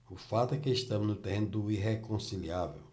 o fato é que estamos no terreno do irreconciliável